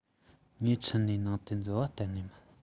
ངའི ཁྱིམ ནས ནང དུ འཛུལ བ གཏན ནས མིན